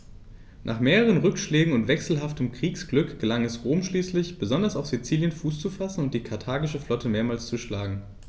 Nach mehreren Rückschlägen und wechselhaftem Kriegsglück gelang es Rom schließlich, besonders auf Sizilien Fuß zu fassen und die karthagische Flotte mehrmals zu schlagen.